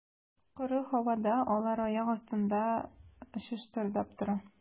Коры һавада алар аяк астында чыштырдап тора.